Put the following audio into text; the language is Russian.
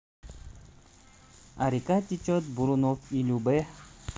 а река течет бурунов и любэ